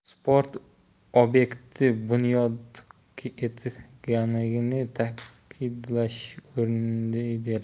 sport ob'ekti bunyod etilganini ta'kidlash o'rinlidir